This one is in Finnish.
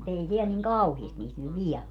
mutta ei siellä niin kauheasti niitä nyt vielä ole